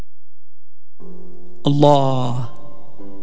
الله